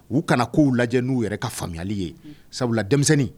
U kana k'u lajɛ n'u yɛrɛ ka faamuyali ye sabula denmisɛnnin